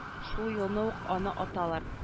Шул елны ук аны аталар